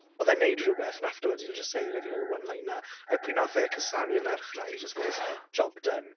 Oedd e'n wneud rhywbeth and afterwards he'll just say like a little one-liner, a pryd wnaeth e cusanu'r merch yna he just goes "Job done."